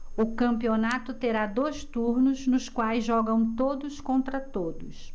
o campeonato terá dois turnos nos quais jogam todos contra todos